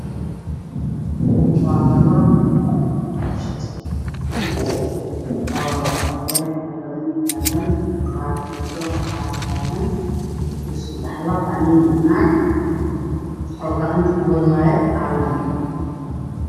Waa garoon oo dad fara badan taagan oo dhalinyaro ah oo isugu jiro lab yoo dhidhi iboodna maxay gacanta ku hayaan calanka soomaaliya